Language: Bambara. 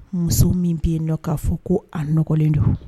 Muso min bɛ yen ɲɔ k'a fɔ ko a nɔgɔlen don